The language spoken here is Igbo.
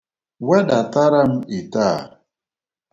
Wedatara m ite a.